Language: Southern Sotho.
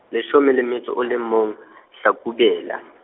leshome le metso o le mong, Hlakubela.